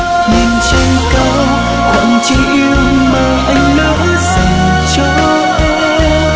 nhìn trên cao khoảng trời yêu mà anh lỡ dành cho em